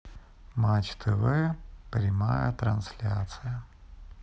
матч тв прямая трансляция